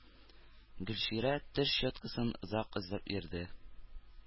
Гөлчирә теш щеткасын озак эзләп йөрде.